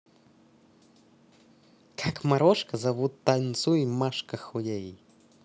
как морошка зовут танцуй машка худей